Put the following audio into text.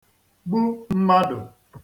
gbu mmadụ̀